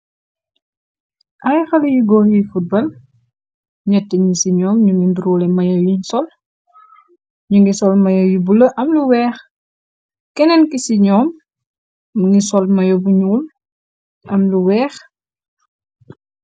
Ay xale yi goor yi futbal , ñetti ñi ci ñoom ñu ni ndróole mayo yuñ sol. Ni ngi sol mayo yu bulo am lu weex , kenneen ki ci ñoom ma ngi sol mayo bu ñuul am lu weex.